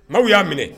Maw y'a minɛ